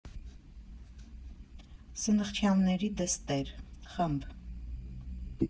Սնխչյանների դստեր ֊ խմբ.